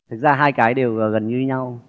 thực ra hai cái đều gần như nhau